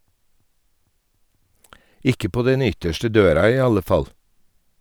Ikke på den ytterste døra i alle fall.